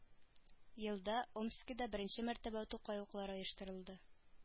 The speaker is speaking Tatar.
Елда омскида беренче мәртәбә тукай укулары оештырылды